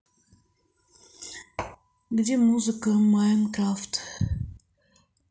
где музыка minecraft